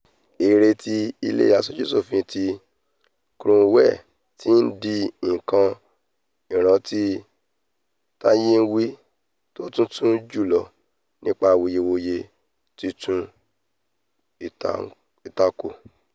Èère ti ile Aṣojú-ṣòfin ti Cromwell ti ńdi nǹkan ìrántí táyénwí tó tuntun jùlọ nípa awuye-wuye 'títún ìtàn kọ'